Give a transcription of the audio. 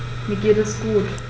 Mir geht es gut.